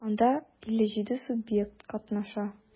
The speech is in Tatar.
Анда 57 субъект катнаша.